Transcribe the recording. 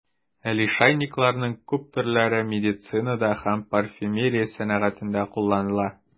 Лишайникларның күп төрләре медицинада һәм парфюмерия сәнәгатендә кулланыла.